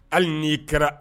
Hali n ii kɛra